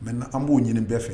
Maintenant an b'o ɲini bɛɛ fɛ.